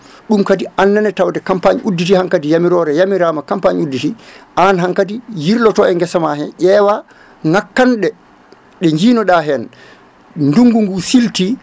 ɗum kadi annene tawde campagne udditi hankadi yamirore a yamirama campagne udditi an hankadi yirlito e guesama he ƴewa ngakkanɗe ɗe jiinoɗa hen ndungu ngu silti